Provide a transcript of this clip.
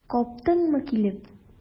Каптыңмы килеп?